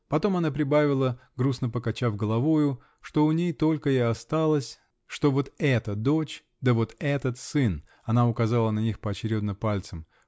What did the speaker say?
Потом она прибавила, грустно покачав головою, что у ней только и осталось, что вот эта дочь да вот этот сын (она указала на них поочередно пальцем)